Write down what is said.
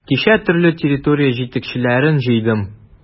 Кичә төрле территория җитәкчеләрен җыйдым.